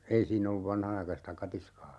ei siinä ollut vanhanaikaista katiskaa